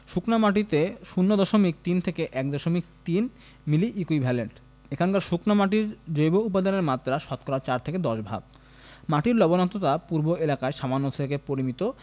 শুকনা মাটিতে ০ দশমিক ৩ থেকে ১ দশমিক ৩ মিলিইকুইভেলেন্ট এখানকার শুকনা মাটির জৈব উপাদানের মাত্রা শতকরা ৪ থেকে ১০ ভাগ মাটির লবণাক্ততা পূর্ব এলাকায় সামান্য থেকে পরিমিত